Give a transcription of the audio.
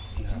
waaw